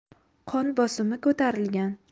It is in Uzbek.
qon bosimi ko'tarilgan